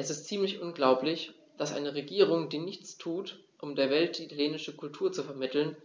Es ist ziemlich unglaublich, dass eine Regierung, die nichts tut, um der Welt die italienische Kultur zu vermitteln,